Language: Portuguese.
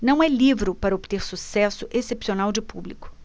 não é livro para obter sucesso excepcional de público